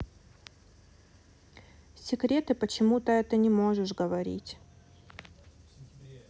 секреты почему то это не можешь говорить